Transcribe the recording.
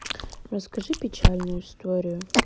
расскажи печальную историю